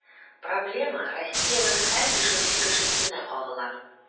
Проблема Россиянең һәр бишенче кешесенә кагыла.